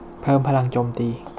เพิ่มพลังโจมตี